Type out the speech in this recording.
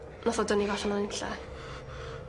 Nath o dynnu fo allan o nunlle.